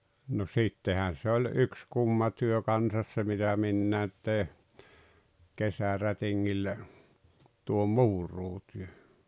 no sittenhän se oli yksi kumma työ kanssa se mitä minäkin tein kesärätingillä tuo muuraustyö